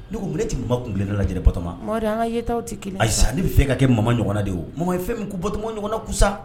N minɛtigiba kelenla lajɛ lajɛlen bɔtɔma mamari an kaetaw tɛ kelen a zan ni fɛn ka kɛ mamama ɲɔgɔnna de ye o mɔgɔ ye fɛn min bɔtɔma ɲɔgɔnna kusa